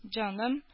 Җаным